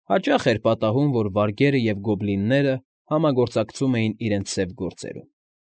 Հաճախ էր պատահում, որ վարգերը և գոբլինները համագործակցում էին իրենց սև գործերում։